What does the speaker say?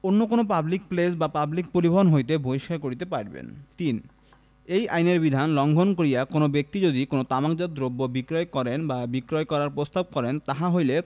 কোন public place বা public পরিবহণ হইতে বহিষ্কার করিতে পারিবেন ৩০ এই আইনের বিধান লংঘন করিয়া কোন ব্যক্তি যদি কোন তামাকজাত দ্রব্য বিক্রয় করেন বা বিক্রয় করার প্রস্তাব করেন তাহা হইলে